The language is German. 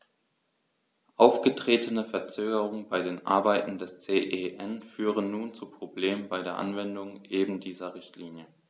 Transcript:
Aufgetretene Verzögerungen bei den Arbeiten des CEN führen nun zu Problemen bei der Anwendung eben dieser Richtlinie.